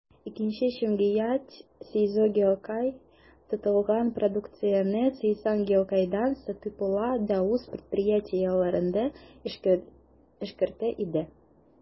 Икенче җәмгыять, «Сейзо Гиокай», тотылган продукцияне «Сейсан Гиокайдан» сатып ала да үз предприятиеләрендә эшкәртә иде.